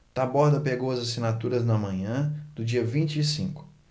taborda pegou as assinaturas na manhã do dia vinte e cinco